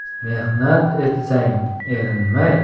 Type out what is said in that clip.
mehnat etsang erinmay